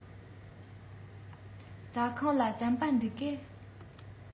ཟ ཁང ལ རྩམ པ འདུག གས